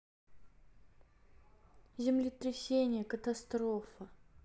землетрясение катастрофа